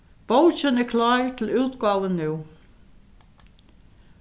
bókin er klár til útgávu nú